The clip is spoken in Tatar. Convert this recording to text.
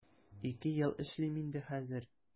Ике ел эшлим инде хәзер.